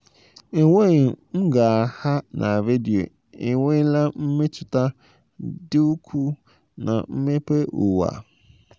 Enwenghị mgagha na redio enweela mmetụta dị ukwuu na mmepe ụwa.